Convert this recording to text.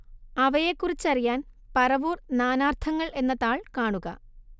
അവയെക്കുറിച്ചറിയാൻ പറവൂർ നാനാർത്ഥങ്ങൾ എന്ന താൾ കാണുക